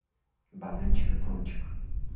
бананчик и пончик